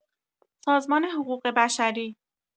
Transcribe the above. سازمان حقوق بشری